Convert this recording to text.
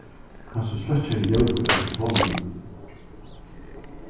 kanst tú sløkkja ljóðið á telefonini